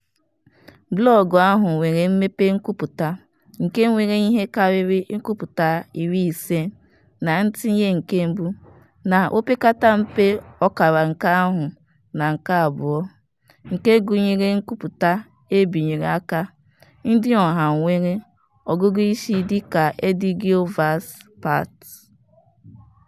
Blọọgụ ahụ nwere mmepe nkwupụta, nke nwere ihe karịrị nkwupụta 50 na ntinye nke mbụ, na opekata mpe ọkara nke ahụ na nke abụọ, nke gụnyere nkwupụta e binyere aka ndị ọha nwere ọgụgụisi dịka Edígio Vaz [pt].